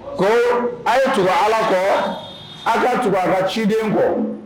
Ko a ye tugu ala kɔ a ka tugu a ka ciden kɔ